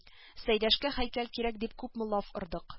Сәйдәшкә һәйкәл кирәк дип күпме лаф ордык